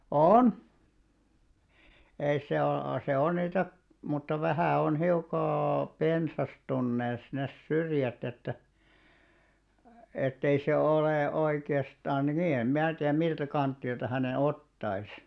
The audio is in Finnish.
on ei se ole se on niitä mutta vähän on hiukka pensastuneet ne syrjät että että ei se ole oikeastaan niin en minä tiedä miltä kantilta hänen ottaisi